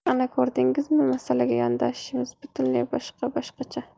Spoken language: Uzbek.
ana ko'rdingizmi masalaga yondashishimiz butunlay boshqa boshqa